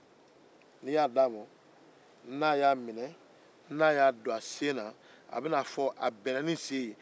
n'i d'a ma n'a y'a don a sen na a bɛ na a fɔ k'a bɛnna ni a sen ye